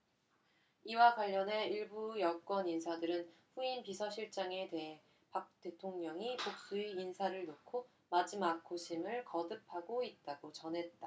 이와 관련해 일부 여권인사들은 후임 비서실장에 대해 박 대통령이 복수의 인사를 놓고 마지막 고심을 거듭하고 있다고 전했다